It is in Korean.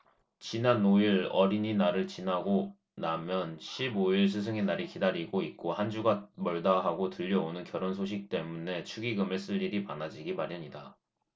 지난 오 일 어린이날을 지나고 나면 십 오 일 스승의날이 기다리고 있고 한 주가 멀다하고 들려오는 결혼 소식때문에 축의금을 쓸 일이 많아지기 마련이다